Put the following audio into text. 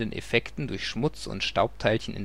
Effekten durch Schmutz - und Staubteilchen